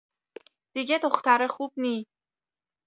دیگه دختر خوب نی!